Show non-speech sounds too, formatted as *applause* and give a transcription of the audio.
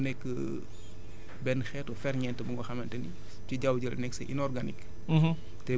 maanaam mu nekk *hesitation* benn xeetu ferñeent bu nga xamante ni ci jaww ji la nekk c' est inorganique